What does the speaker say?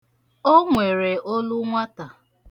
O nwere olu nwata.